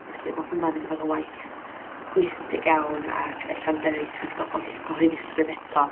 Felly, mae hwnna'n mynd i fod yn waith pwysig iawn, ac ella am dynnu chydig o gyhoe- gyhoeddusrwydd eto.